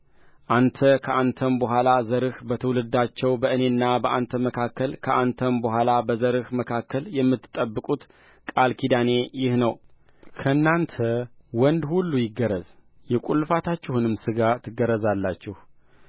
አንተ ከአንተም በኋላ ዘርህ በትውልዳቸው በእኔና በአንተ መካከል ከአንተም በኋላ በዘርህ መካከል የምትጠብቁት ቃል ኪዳኔ ይህ ነው ከእናንተ ወንድ ሁሉ ይገረዝ የቍልፈታችሁንም ሥጋ ትገረዛላችሁ